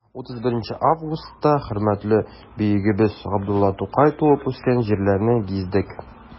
31 августта хөрмәтле бөегебез габдулла тукай туып үскән җирләрне гиздек.